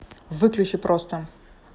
выключи просто